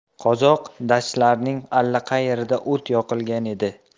qozoq dashtlarining allaqayerida o't yoqilgan edi